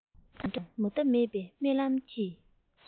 འདོན སྒྲ དང མུ མཐའ མེད པའི རྨི ལམ གྱི